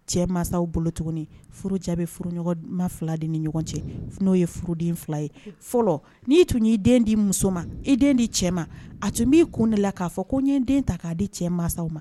Cɛ mansaw bolo furu cɛ bɛ furu ma fila di ni ɲɔgɔn cɛ n'o ye furuden fila ye fɔlɔ n'i tun y'i den di muso ma i den di cɛ ma a tun b'i kun de la k'a fɔ ko n ye den ta k'a di cɛ mansaw ma